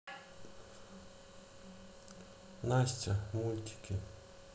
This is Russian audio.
настя мультики